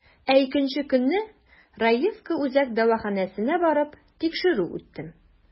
Ә икенче көнне, Раевка үзәк дәваханәсенә барып, тикшерү үттем.